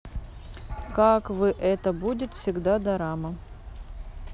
как вы это будет всегда дорама